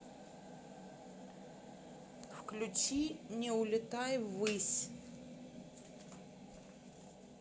включи не улетай ввысь